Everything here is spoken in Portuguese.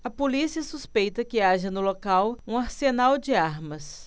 a polícia suspeita que haja no local um arsenal de armas